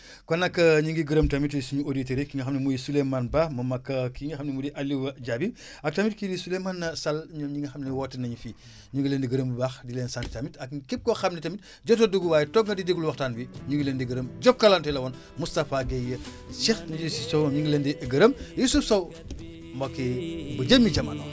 kon nag ñu ngi gërëm tamit suñu auditeurs yeeg ki nga xam ne mooy Souleymane Ba moom ak ki nga xam ne mu di Aliou Diaby ak tamit kii di Souleymane Sall mi nga xam ne woote nañu fi ñu ngi leen di gërëm bu baax di leen sant tamit ak képp koo xam ne tamit jotoo dugg waaye toog nga di déglu waxtan bi ñu ngi leen di gërëm Jokalante la woon Moustapha Gueye Cheikh Cissokho ñu ngi leen di gërëm Youssouphe Sow mbokk yi ba jëmmi jamono